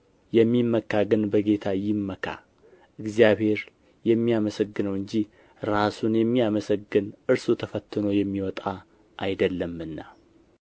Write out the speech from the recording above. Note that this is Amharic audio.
የሚመካ ግን በጌታ ይመካ እግዚአብሔር የሚያመሰግነው እንጂ ራሱን የሚያመሰግን እርሱ ተፈትኖ የሚወጣ አይደለምና